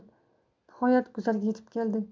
nihoyat guzarga yetib keldik